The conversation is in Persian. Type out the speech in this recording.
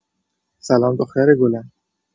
سلام دختر گلم